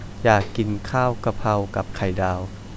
อยากกินข้าวกะเพรากับไข่ดาว